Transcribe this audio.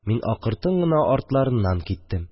Мин акыртын гына артларыннан киттем